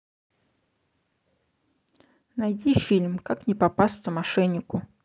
найди фильм как не попасться мошеннику